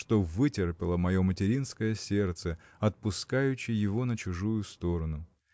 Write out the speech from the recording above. что вытерпело мое материнское сердце отпускаючи его на чужую сторону.